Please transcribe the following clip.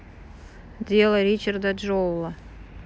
дело ричарда джоула